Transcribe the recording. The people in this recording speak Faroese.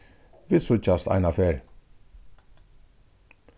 vit síggjast einaferð